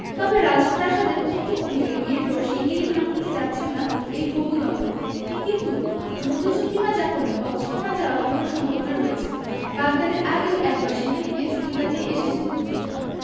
তবে রাজপ্রাসাদের তথ্য অনুযায়ী বিয়ের পর শিগগিরই হানিমুনে যাচ্ছেন না এই হবু দম্পতি কিন্তু মধুচন্দ্রিমা যাপনে বটসওয়ানা যাওয়ার প্রবল সম্ভাবনা রয়েছে বাগদানের আগেও একবার সেখানে গিয়ে ছুটি কাটিয়ে এসেছেন দুজন